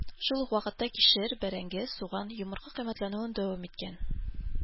Шул ук вакытта кишер, бәрәңге, суган, йомырка кыйммәтләнүен дәвам иткән.